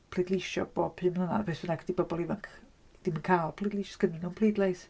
Pleidleisio bob pum mlynedd beth bynnag dydy bobl ifanc ddim yn cael pleidleis... does gennyn nhw ddim pleidlais.